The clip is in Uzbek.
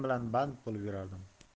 bilan band bo'lib yurardim